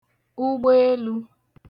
ụgbeelū